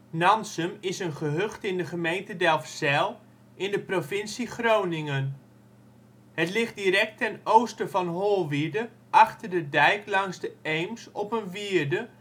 Nansum is een gehucht in de gemeente Delfzijl in de provincie Groningen. Het ligt direct ten oosten van Holwierde achter de dijk langs de Eems op een wierde